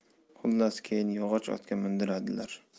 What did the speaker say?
xullas keyin yog'och otga mindiradilar